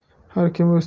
har kim o'z